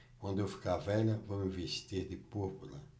quando eu ficar velha vou me vestir de púrpura